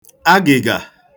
agị̀gà